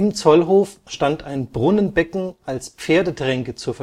Zollhof stand ein Brunnenbecken als Pferdetränke zur